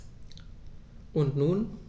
Und nun?